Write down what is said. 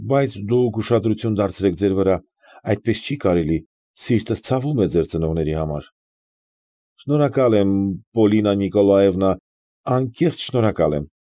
Բայց դուք ուշադրություն դարձրեք ձեր վրա, այդպես չի կարելի, սիրտս ցավում է ձեր ծնողների համար։ ֊ Շնորհակալ եմ, Պաինա Նիկոլաևնա, անկեղծ շնորհակալ եմ։